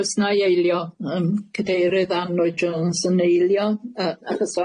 Oes na'i eilio yym cydeirydd Annoy Jones yn eilio yy achos